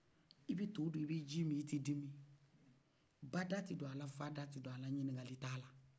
i b'i to dun i bb'i ji min i te dimi ba da tɛ do ala fa da tɛ do ala ɲinigani tala